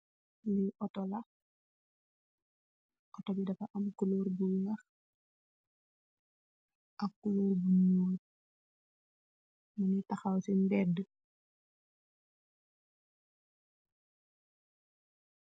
outor bu weeh bunj tahawal ce mbeddi bi.